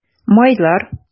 Майлар